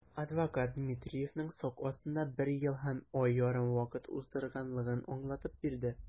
Адвокат Дмитриевның сак астында бер ел һәм ай ярым вакыт уздырганлыгын аңлатып бирде.